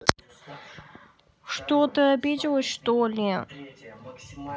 что ты обиделась что ли